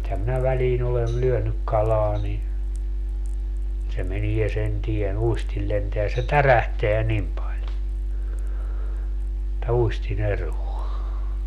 nythän minä väliin olen lyönyt kalaa niin se menee sen tien uistin lentää se tärähtää niin paljon että uistin eroaa